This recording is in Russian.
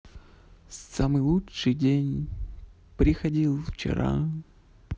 самый лучший день приходил вчера